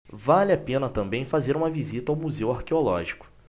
vale a pena também fazer uma visita ao museu arqueológico